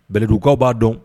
Bɛlɛdugukaw b'a dɔn